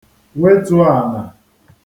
wetù ànà